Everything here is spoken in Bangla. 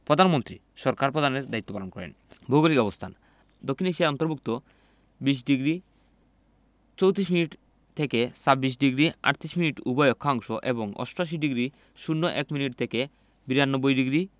প্রধানমন্ত্রী সরকার প্রধানের দায়িত্ব পালন করেন ভৌগোলিক অবস্থানঃ দক্ষিণ এশিয়ার অন্তর্ভুক্ত ২০ডিগ্রি ৩৪ মিনিট থেকে ২৬ ডিগ্রি ৩৮ মিনিট উত্তর অক্ষাংশ এবং ৮৮ ডিগ্রি ০১ মিনিট থেকে ৯২ ডিগ্রি